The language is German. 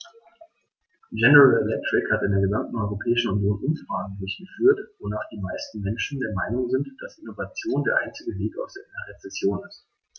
General Electric hat in der gesamten Europäischen Union Umfragen durchgeführt, wonach die meisten Menschen der Meinung sind, dass Innovation der einzige Weg aus einer Rezession ist.